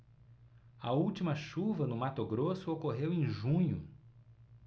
a última chuva no mato grosso ocorreu em junho